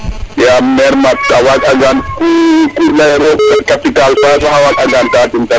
yaam maire mat a waag angan ku loyirong capital fa sax a waag angan te atin te ref o njob